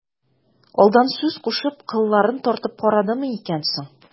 Алдан сүз кушып, кылларын тартып карадымы икән соң...